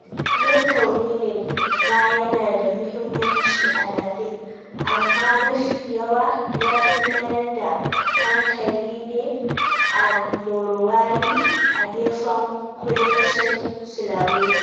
Nickel mining ma yana da mahimmanci a lardin, amma mafi yawa ya fi mayar da hankali ne a Morowali, a gefen kudancin Sulawesi.